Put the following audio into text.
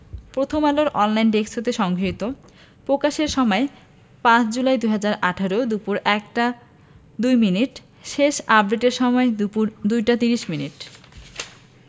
প্রথমআলোর online desk হতে সংগৃহীত প্রকাশের সময় ৫ জুলাই ২০১৮ দুপুর ১টা ২মিনিট শেষ আপডেটের সময় দুপুর ২টা ৩০ মিনিট